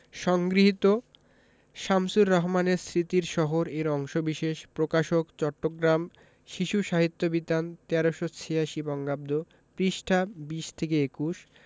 সংগৃহীত শামসুর রাহমানের স্মৃতির শহর এর অংশবিশেষ প্রকাশকঃ চট্টগ্রাম শিশু সাহিত্য বিতান ১৩৮৬ বঙ্গাব্দ পৃষ্ঠাঃ ২০ থেকে ২১